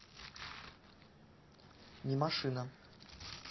не машина